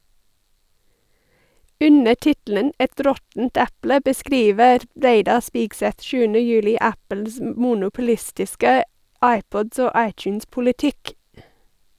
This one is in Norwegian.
Under tittelen «Et råttent eple» beskriver Reidar Spigseth 7. juli Apples monopolistiske iPod- og iTunes-politikk.